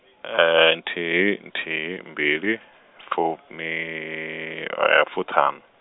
nthihi nthihi mbili, fumi, fuṱhanu.